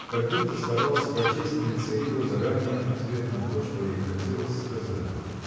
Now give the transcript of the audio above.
как будто старалась прочесть на лице его заранее ответ на то что ей хотелось сказать.